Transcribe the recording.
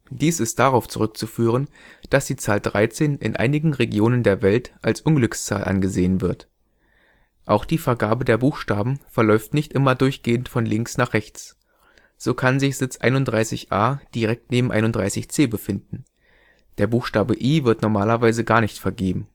Dies ist darauf zurückzuführen, dass die Zahl 13 in einigen Regionen der Welt als Unglückszahl angesehen wird. Auch die Vergabe der Buchstaben verläuft nicht immer durchgehend von links nach rechts. So kann sich Sitz 31A direkt neben 31C befinden. Der Buchstabe I wird normalerweise gar nicht vergeben